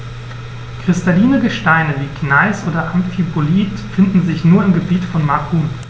Kristalline Gesteine wie Gneis oder Amphibolit finden sich nur im Gebiet von Macun.